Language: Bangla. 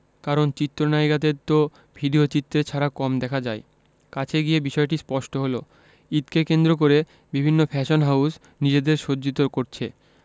কারণ চিত্রনায়িকাদের তো ভিডিওচিত্রে ছাড়া কম দেখা যায় কাছে গিয়ে বিষয়টি স্পষ্ট হলো ঈদকে কেন্দ্র করে বিভিন্ন ফ্যাশন হাউজ নিজেদের সজ্জিত করছে